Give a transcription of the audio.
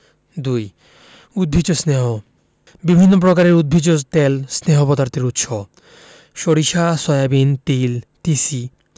২. উদ্ভিজ্জ স্নেহ বিভিন্ন প্রকারের উদ্ভিজ তেল স্নেহ পদার্থের উৎস সরিষা সয়াবিন তিল তিসি